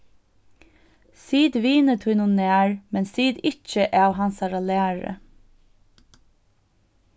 sit vini tínum nær men sit ikki av hansara læri